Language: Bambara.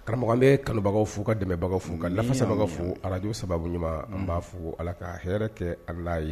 Karamɔgɔkan bɛ kanubagaw fou ka dɛmɛbagaw fo ka lafa sababagaw fo araj sababu ɲuman n' fo ala ka hɛrɛ kɛ ala ye